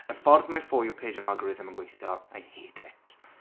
Y ffordd mae for you page and algorithm yn gweithio I hate it